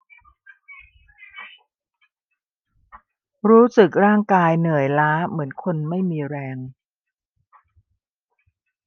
รู้สึกร่างกายเหนื่อยล้าเหมือนคนไม่มีแรง